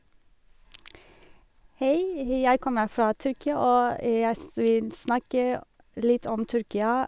Hei, jeg kommer fra Tyrkia, og jeg s vil snakke litt om Tyrkia.